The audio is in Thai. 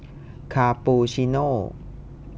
คาปูชิโน่